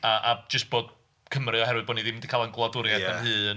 A a jyst bod Cymru oherwydd bod ni ddim 'di cael ein gwladwriaeth... ia. ...ein hun.